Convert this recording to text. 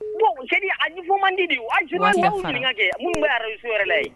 Bon jeli ajugu mandi de waju man kɛ ara wɛrɛla ye